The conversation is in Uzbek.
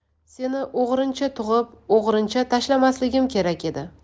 seni o'g'rincha tug'ib o'g'rincha tashlamasligim kerak edi